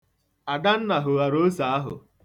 Adanna hoghara ose ahụ.